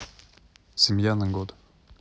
семья на год